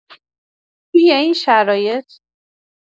توی این شرایط؟